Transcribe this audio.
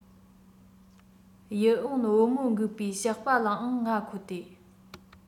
ཡིད འོང བུ མོ འགུགས པའི ཞགས པ ལའང ང མཁོ སྟེ